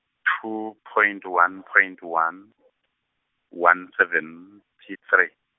two point one point one one seventy three.